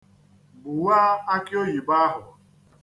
Gbuwaa akị oyibo ahụ.